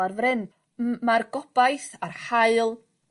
ar fryn. M- mae'r gobaith a'r haul